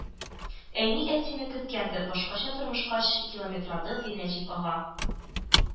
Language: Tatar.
Әни әтине көткәндер, башкача тормышка чыкилометрады, ди Нәҗип ага